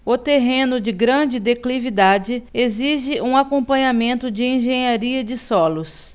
o terreno de grande declividade exige um acompanhamento de engenharia de solos